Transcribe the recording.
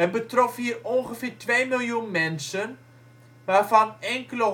betrof hier ongeveer twee miljoen mensen, waarvan enkele